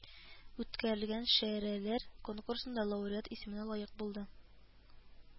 Үткәрелгән шә әрәләр конкурсында лауреат исеменә лаек булды